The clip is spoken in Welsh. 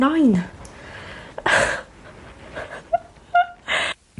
Nain.